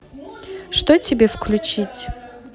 что тебе включить